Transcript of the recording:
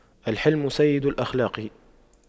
الحِلْمُ سيد الأخلاق